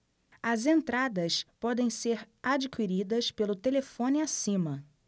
as entradas podem ser adquiridas pelo telefone acima